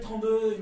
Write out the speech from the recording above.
Fan